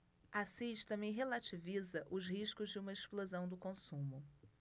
assis também relativiza os riscos de uma explosão do consumo